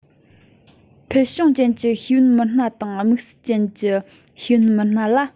ཕུལ བྱུང ཅན གྱི ཤེས ལྡན མི སྣ དང དམིགས བསལ ཅན གྱི ཤེས ལྡན མི སྣ ལ